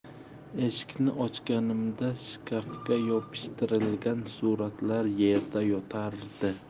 eshikni ochganimda shkafga yopishtirilgan suratlar yerda yotardi